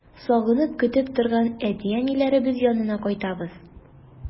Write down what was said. Сагынып көтеп торган әти-әниләребез янына кайтабыз.